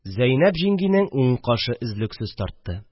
Зәйнәп җиңгинең уң кашы өзлексез тартты